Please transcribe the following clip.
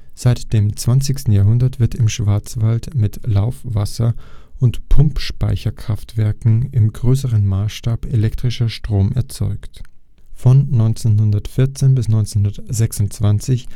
Seit dem 20. Jahrhundert wird im Schwarzwald mit Laufwasser - und Pumpspeicherkraftwerken im größeren Maßstab elektrischer Strom erzeugt. Von 1914 bis 1926